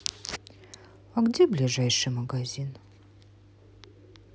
а где ближайший магазин